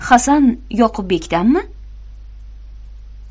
hasan yoqubbekdanmi